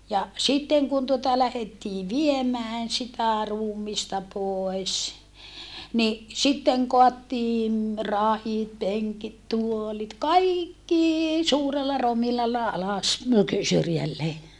ja sitten kun tuota lähdettiin viemään sitä ruumista pois niin sitten kaadettiin rahit penkit tuolit kaikki suurella rominalla alas syrjälleen